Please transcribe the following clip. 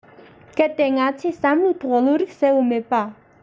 གལ ཏེ ང ཚོས བསམ བློའི ཐོག བློ རིག གསལ པོ མེད པ